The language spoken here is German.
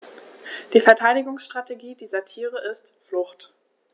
Die Verteidigungsstrategie dieser Tiere ist Flucht.